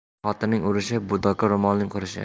er xotinning urishi doka ro'molning qurishi